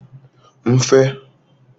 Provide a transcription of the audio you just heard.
m̀fe